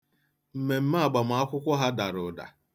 Mmemme agbamakwụkwọ ha dara ụda.